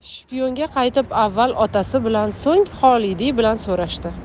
shiyponga qaytib avval otasi bilan so'ng xolidiy bilan so'rashdi